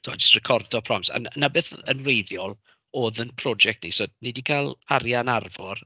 Timod jyst recordo prompts a 'na 'na beth yn wreiddiol oedd ein prosiect ni. So ni 'di cael arian Arfor.